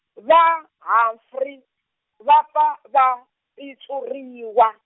va Humphrey, va pfa, va, pitsuriwa.